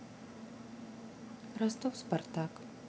ростов спартак